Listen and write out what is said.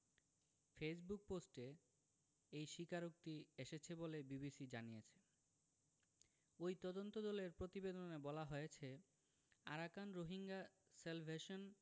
Facebook পোস্টে এই স্বীকারোক্তি এসেছে বলে বিবিসি জানিয়েছে ওই তদন্তদলের প্রতিবেদনে বলা হয়েছে আরাকান রোহিঙ্গা স্যালভেশন